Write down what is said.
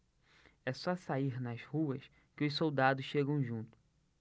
é só sair nas ruas que os soldados chegam junto